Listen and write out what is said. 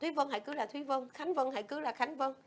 thúy vân hãy cứ là thúy vân khánh vân hãy cứ là khánh vân